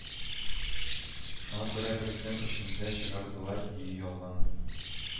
Шуңа күрә бер көн эчендә чыгардылар дию ялган